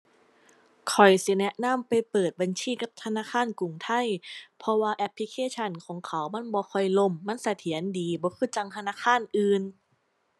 ข้อยสิแนะนำไปเปิดบัญชีกับธนาคารกรุงไทย เพราะว่าแอปพลิเคชันของเขามันบ่ค่อยล่ม มันเสถียรดี บ่คือจั่งธนาคารอื่น